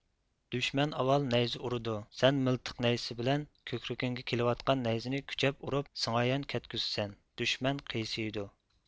دۈشمەن ئاۋۋال نەيزە ئۇرىدۇ سەن مىلتىق نەيزىسى بىلەن كۆكرىكىڭگە كېلىۋاتقان نەيزىنى كۈچەپ ئۇرۇپ سىڭايان كەتكۈزىسەن دۈشمەن قىيسىيىدۇ